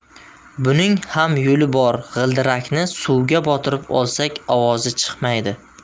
buning ham yo'li bor g'ildirakni suvga botirib olsak ovozi chiqmaydi